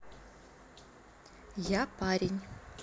я парень